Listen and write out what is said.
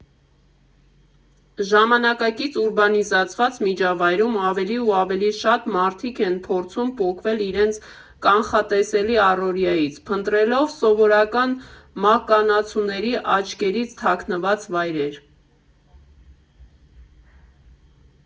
Ժամանակակից ուրբանիզացված միջավայրում ավելի ու ավելի շատ մարդիկ են փորձում պոկվել իրենց կանխատեսելի առօրյայից՝ փնտրելով սովորական մահկանացուների աչքերից թաքնված վայրեր։